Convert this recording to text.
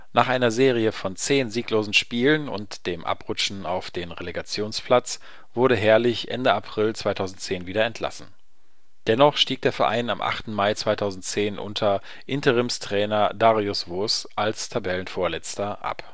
Nach einer Serie von zehn sieglosen Spielen und dem Abrutschen auf den Relegationsplatz wurde Herrlich Ende April 2010 wieder entlassen. Dennoch stieg der Verein am 8. Mai 2010 unter Interimstrainer Dariusz Wosz als Tabellenvorletzter ab